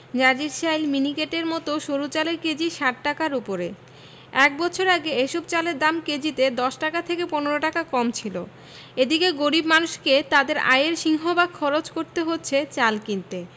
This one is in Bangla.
নাজিরশাইল মিনিকেটের মতো সরু চালের কেজি ৬০ টাকার ওপরে এক বছর আগে এসব চালের দাম কেজিতে ১০ থেকে ১৫ টাকা কম ছিল এদিকে গরিব মানুষকে তাঁদের আয়ের সিংহভাগ খরচ করতে হচ্ছে চাল কিনতে